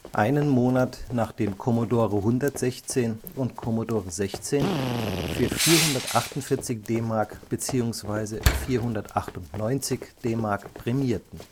einen Monat nachdem Commodore 116 und Commodore 16 für 448 DM beziehungsweise 498 DM premierten